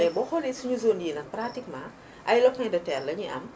mais boo xoolee suñu zone yii nag pratiquement ay lopin de terre lañuy am